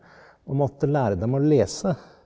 man måtte lære dem å lese.